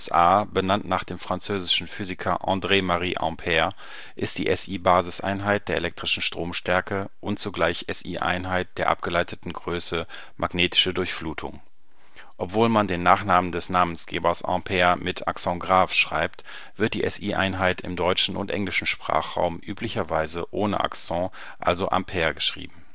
A, benannt nach dem französischen Physiker André-Marie Ampère, ist die SI-Basiseinheit der elektrischen Stromstärke und zugleich SI-Einheit der abgeleiteten Größe „ magnetische Durchflutung “. Obwohl man den Nachnamen des Namensgebers „ Ampère “mit accent grave schreibt, wird die SI-Einheit im deutschen und englischen Sprachraum üblicherweise ohne Akzent, also „ Ampere “, geschrieben